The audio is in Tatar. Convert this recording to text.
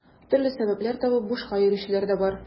Төрле сәбәпләр табып бушка йөрүчеләр дә бар.